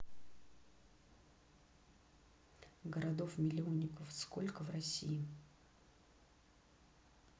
городов миллионников сколько в россии